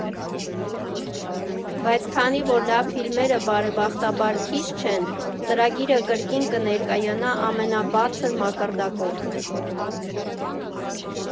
Բայց քանի որ լավ ֆիլմերը բարեբախտաբար քիչ չեն, ծրագիրը կրկին կներկայանա ամենաբարձր մակարդակով։